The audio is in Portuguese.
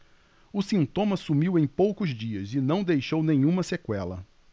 o sintoma sumiu em poucos dias e não deixou nenhuma sequela